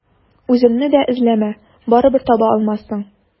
Үземне дә эзләмә, барыбер таба алмассың.